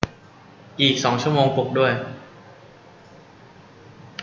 อีกสองชั่วโมงปลุกด้วย